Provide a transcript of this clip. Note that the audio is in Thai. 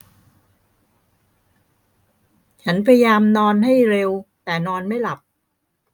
ฉันพยายามนอนให้เร็วแต่นอนไม่หลับ